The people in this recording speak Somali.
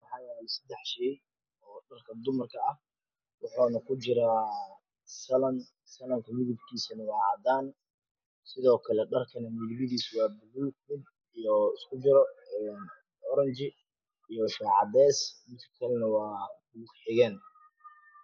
Waxaa yaal seddex shay oo dharka dumar ah waxuuna kujiraa salan. Salanka midabkiisu waa cadaan sidoo kale dharkana midabadiisu waa buluug iyo isku jira oranji iyo shaax cadeys kana waa kuxegeen.